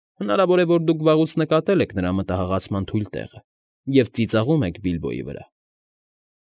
Հնարավոր է, որ դուք վաղուց նկատել եք նրա մտահղացման թույլ տեղը և ծիծաղում եք Բիլբոյի վրա։